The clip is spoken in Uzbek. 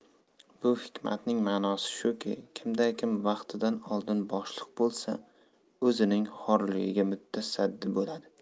bu hikmatning ma'nosi shuki kimda kim vaqtidan oldin boshliq bo'lsa o'zining xorligiga mutasaddi bo'ladi